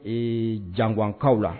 Ee Janguwan kaw la